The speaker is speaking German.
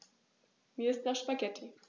Mir ist nach Spaghetti.